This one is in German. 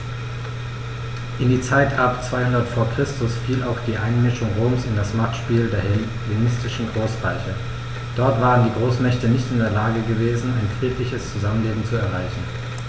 In die Zeit ab 200 v. Chr. fiel auch die Einmischung Roms in das Machtspiel der hellenistischen Großreiche: Dort waren die Großmächte nicht in der Lage gewesen, ein friedliches Zusammenleben zu erreichen.